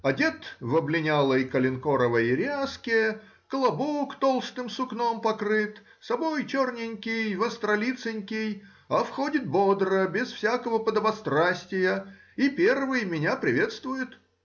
одет в облинялой коленкоровой ряске, клобук толстым сукном покрыт, собой черненький, востролиценький, а входит бодро, без всякого подобострастия, и первый меня приветствует